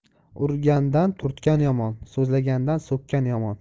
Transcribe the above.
urgandan turtgan yomon so'zlagandan so'kkan yomon